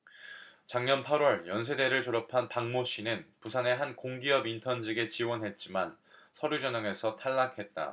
작년 팔 월 연세대를 졸업한 박모씨는 부산의 한 공기업 인턴 직에 지원했지만 서류 전형에서 탈락했다